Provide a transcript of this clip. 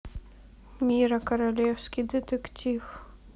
мира королевский детектив